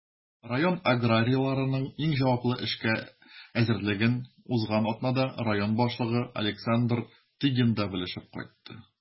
Район аграрийларының иң җаваплы эшкә әзерлеген узган атнада район башлыгы Александр Тыгин да белешеп кайтты.